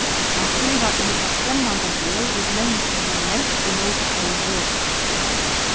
hann skrivar um ta fremmandagerð vit menniskju hava ment ímóti hvørjum øðrum